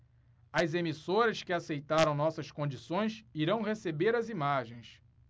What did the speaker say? as emissoras que aceitaram nossas condições irão receber as imagens